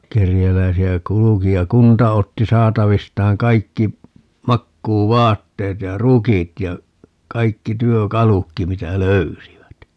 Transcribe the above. kerjäläisiä kulki ja kunta otti saatavistaan kaikki makuuvaatteet ja rukit ja kaikki työkalutkin mitä löysivät